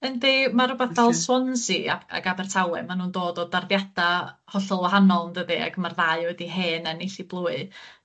Yndi ma' rwbath fel Swansea a- ag Abertawe ma' nw'n dod o darddiada' hollol wahanol yndydi ac ma'r ddau wedi hen ennill 'u blwy